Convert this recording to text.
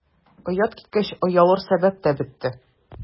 Оят киткәч, оялыр сәбәп тә бетте.